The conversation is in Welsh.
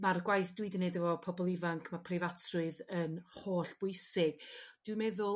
ma'r gwaith dwi 'di 'neud efo pobol ifanc mae preifatrwydd yn hollbwysig dwi'n meddwl